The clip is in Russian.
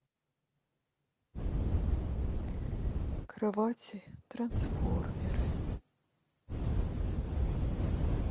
кровати трансформеры